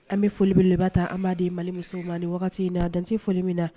An bɛ folibele labanba ta an b' di mali muso man di wagati na dante foli min na